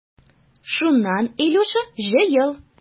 Шуннан, Илюша, җыел.